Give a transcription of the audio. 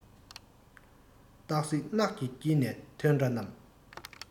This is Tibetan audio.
སྟག གཟིག ནགས ཀྱི དཀྱིལ ནས ཐོན འདྲ རྣམས